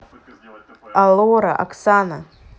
allora оксана